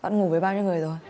anh ngủ với bao nhiêu người rồi